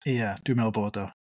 Ia dwi'n meddwl bod o.